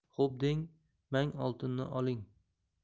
xo'p deng mang oltinni oling